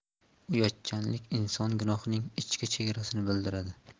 uyatchanlik inson gunohining ichki chegarasini bildiradi